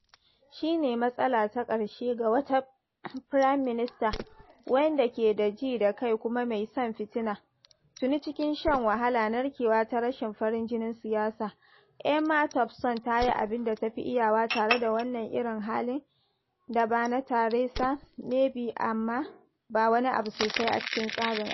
Shi ne matsala ƙarshe ga wata firaminista wanda ke da ji da kai kuma mai son fitina, tuni cikin shan wahala narkewa ta rashin farin jinin siyasa: Emma Thompson ta yi abin da tafi iyawa tare da wannan irin halin da ba na Teresa May ba amma ba wani abu sosai a cikin tsarin aikin.